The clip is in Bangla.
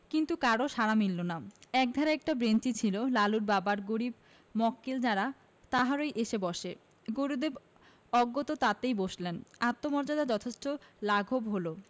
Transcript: কিন্তু কারও সাড়া মিলল না একধারে একটা বেঞ্চি ছিল লালুর বাবার গরীব মক্কেল যারা তাহারই এসে বসে গুরুদেব অগত্যা তাতেই বসলেন আত্মমর্যাদার যথেষ্ট লাঘব হলো